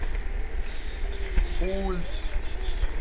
пульт